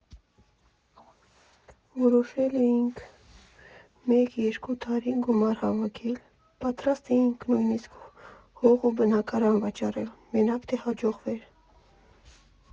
Որոշոցինք մեկ֊երկու տարի գումար հավաքել, պատրաստ էինք նույնիսկ հող ու բնակարան վաճառել, մենակ թե հաջողվեր։